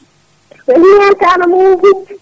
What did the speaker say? *